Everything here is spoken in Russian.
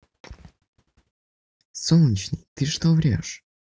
солнечный ты что врешь